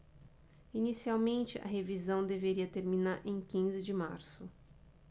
inicialmente a revisão deveria terminar em quinze de março